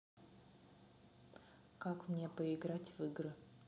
как мне поиграть в игры